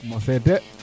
mose de